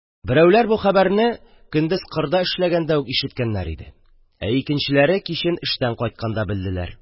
Берәүләр бу хәбәрне көндез кырда эшләгәндә үк ишеткәннәр иде, ә икенчеләре кичен эштән кайтканда белделәр.